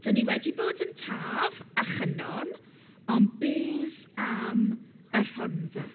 Dan ni wedi bod yn Taf a Chynon, ond beth am y Rhondda?